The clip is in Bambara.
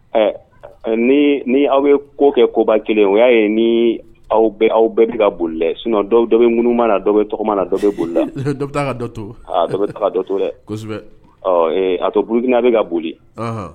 Ɛɛ ni aw ye ko kɛ koba kelen o y'a ye ni aw bɛ aw bɛɛ bɛ ka boli dɛ sun dɔw dɔ bɛ ŋun mana na dɔw bɛ tɔgɔma na dɔ bɛ boli la dɔ bɛ ka dɔ to dɔ ka dɔ to dɛ a to burukina bɛ ka boli